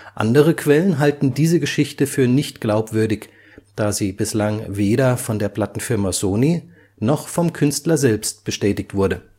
Andere Quellen halten diese Geschichte für nicht glaubwürdig, da sie bislang weder von der Plattenfirma Sony noch vom Künstler selber bestätigt wurde